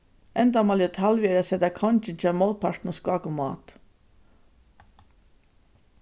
endamálið í talvi er at seta kongin hjá mótpartinum skák og mát